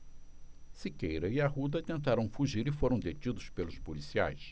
siqueira e arruda tentaram fugir e foram detidos pelos policiais